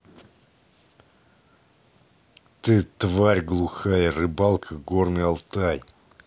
ты тварь глухая рыбалка горный алтай